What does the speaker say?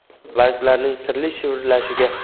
qiz barglarning sirli shivirlashiga